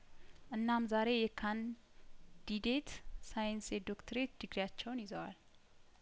እናም ዛሬ የካንዲዴት ሳይንስ የዶክትሬት ዲግሪያቸውን ይዘዋል